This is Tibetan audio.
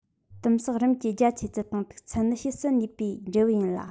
དིམ བསགས རིམ གྱི རྒྱ ཆེ ཚད དང མཐུག ཚད ནི བཤུ ཟད ནུས པའི འབྲས བུ ཡིན ལ